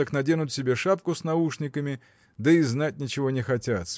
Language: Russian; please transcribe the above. так наденут себе шапку с наушниками да и знать ничего не хотят